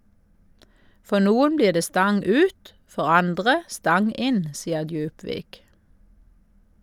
For noen blir det stang ut, for andre stang inn, sier Djupvik.